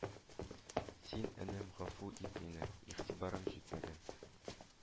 – син, энем, гафу ит мине, игътибарым җитмәгән